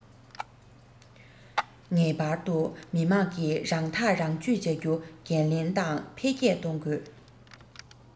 ངེས པར དུ མི དམངས ཀྱིས རང ཐག རང གཅོད བྱ རྒྱུ འགན ལེན དང འཕེལ རྒྱས གཏོང དགོས